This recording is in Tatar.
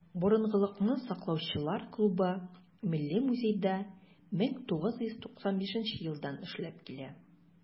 "борынгылыкны саклаучылар" клубы милли музейда 1995 елдан эшләп килә.